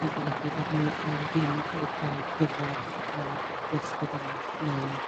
yn golygu bod nhw yrr ddim yn cael uu gweld gyfwerth a gwersi gwyddoni'eth neu